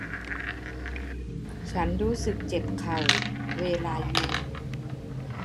ฉันรู้สึกเจ็บเข่าเวลายืน